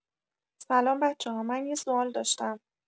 سلام بچه‌ها من یه سوال داشتم